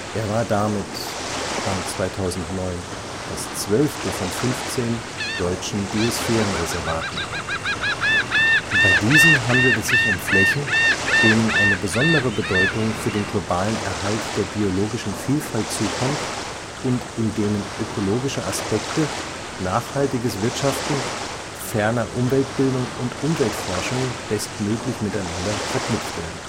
Er war damit das zwölfte von (Stand 2009) 15 deutschen Biosphärenreservaten. Bei diesen handelt es sich um Flächen, denen eine besondere Bedeutung für den globalen Erhalt der biologischen Vielfalt zukommt und in denen ökologische Aspekte, nachhaltiges Wirtschaften, ferner Umweltbildung und Umweltforschung bestmöglich miteinander verknüpft werden